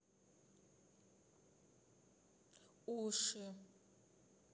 уши